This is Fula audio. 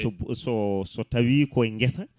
buso so tawi koy guessa